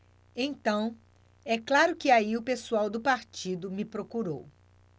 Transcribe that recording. então é claro que aí o pessoal do partido me procurou